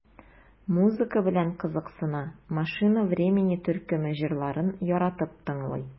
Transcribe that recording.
Музыка белән кызыксына, "Машина времени" төркеме җырларын яратып тыңлый.